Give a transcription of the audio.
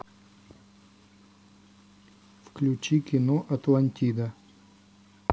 включи кино атлантида